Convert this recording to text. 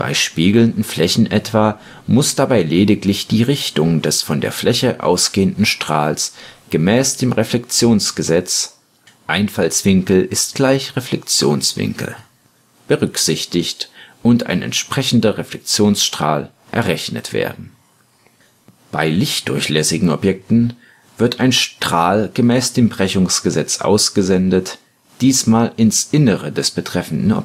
spiegelnden Flächen etwa muss dabei lediglich die Richtung des von der Fläche ausgehenden Strahls gemäß dem Reflexionsgesetz (Einfallswinkel ist gleich Reflexionswinkel) berücksichtigt und ein entsprechender Reflexionsstrahl errechnet werden. Bei lichtdurchlässigen Objekten wird ein Strahl gemäß dem Snelliusschen Brechungsgesetz ausgesendet, diesmal ins Innere des betreffenden